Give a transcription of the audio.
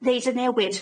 neud y newid.